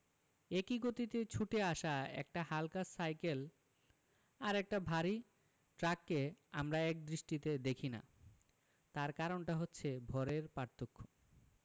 একই গতিতে ছুটে আসা একটা হালকা সাইকেল আর একটা ভারী ট্রাককে আমরা একদৃষ্টিতে দেখি না তার কারণটা হচ্ছে ভরের পার্থক্য